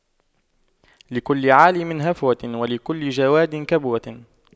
لكل عالِمٍ هفوة ولكل جَوَادٍ كبوة